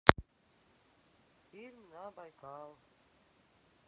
фильм на байкал